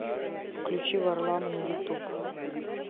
включи варлама на ютуб